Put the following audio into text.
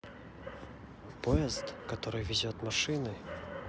поезд который везет машины